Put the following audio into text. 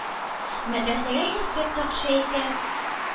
Мәдрәсәгә инспектор төшә икән,